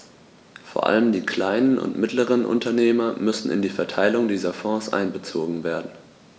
Vor allem die kleinen und mittleren Unternehmer müssen in die Verteilung dieser Fonds einbezogen werden.